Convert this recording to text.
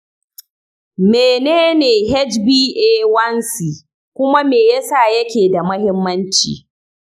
mene ne hba1c kuma me yasa yake da muhimmanci?